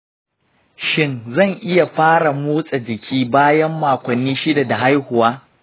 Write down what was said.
shin zan iya fara motsa jiki bayan makonni shida da haihuwa?